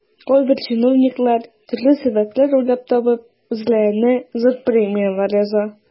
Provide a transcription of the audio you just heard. Кайбер чиновниклар, төрле сәбәп уйлап табып, үзләренә зур премияләр яза.